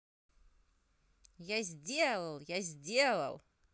я сделал я сделал